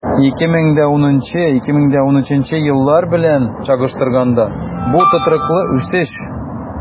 2010-2013 еллар белән чагыштырганда, бу тотрыклы үсеш.